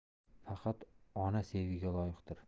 faqat ona sevgiga loyiqdir